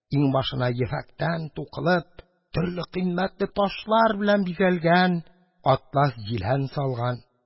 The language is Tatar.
Иңбашына ефәктән тукылып, төрле кыйммәтле ташлар белән бизәлгән атлас җилән салган.